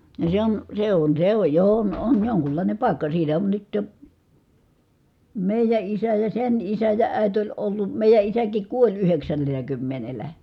no se on se on se on jo on on jonkunlainen paikka siitä on nyt jo meidän isä ja sen isä ja äiti oli ollut meidän isäkin kuoli yhdeksännellä kymmenellä